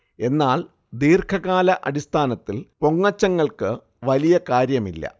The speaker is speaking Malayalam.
എന്നാൽ ദീർഘകാല അടിസ്ഥാനത്തിൽ പൊങ്ങച്ചങ്ങൾക്ക് വലിയ കാര്യമില്ല